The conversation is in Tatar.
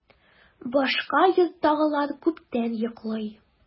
Башка йорттагылар күптән йоклый.